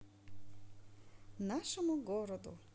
нашему городу